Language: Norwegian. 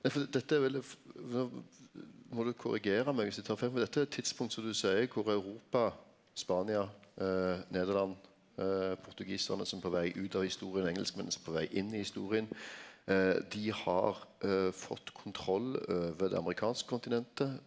nei fordi dette er vel nå må du korrigera meg viss eg tar feil for dette er eit tidspunkt som du seier kor Europa, Spania, Nederland portugisarane som er på veg ut av historia og engelskmennene som er på veg inn i historia dei har fått kontroll over det amerikanske kontinentet.